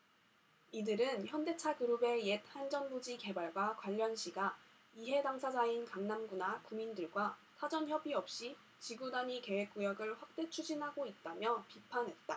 이들은 현대차그룹의 옛 한전부지 개발과 관련 시가 이해당사자인 강남구나 구민들과 사전협의없이 지구단위계획구역을 확대 추진하고 있다며 비판했다